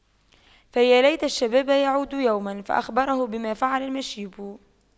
فيا ليت الشباب يعود يوما فأخبره بما فعل المشيب